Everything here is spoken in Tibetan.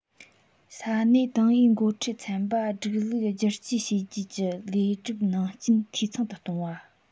ས གནས ཏང ཨུའི འགོ ཁྲིད ཚན པ སྒྲིག ལུགས བསྒྱུར བཅོས བྱས རྗེས ཀྱི ལས སྒྲུབ ནང རྐྱེན འཐུས ཚང དུ གཏོང བ